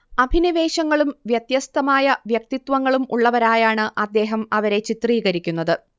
അഭിനിവേശങ്ങളും വ്യത്യസ്തമായ വ്യക്തിത്വങ്ങളും ഉള്ളവരായാണ് അദ്ദേഹം അവരെ ചിത്രീകരിക്കുന്നത്